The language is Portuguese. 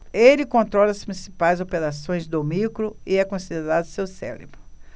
ele controla as principais operações do micro e é considerado seu cérebro